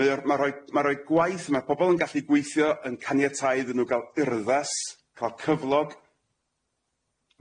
Mae o'r ma' rhoi ma' roi gwaith ma' pobol yn gallu gweithio yn caniatáu iddyn nw ga'l urddas ca'l cyflog.